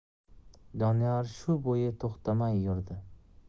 doniyor shu bo'yi to'xtamay yurdi